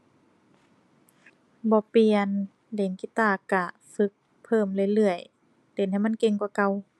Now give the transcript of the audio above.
บ่เปลี่ยน เล่นกีตาร์ก็ฝึกเพิ่มเรื่อยเรื่อย เล่นให้มันเก่งกว่าเก่า